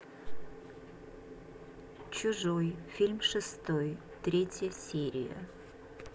чужой фильм шестой третья серия